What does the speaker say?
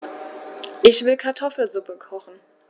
Ich will Kartoffelsuppe kochen.